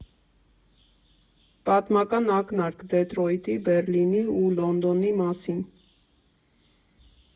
Պատմական ակնարկ Դեթրոյթի, Բեռլինի ու Լոնդոնի մասին։